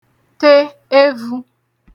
te evū